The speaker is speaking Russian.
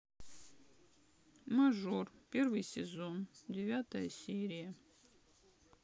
мажор первый сезон девятая серия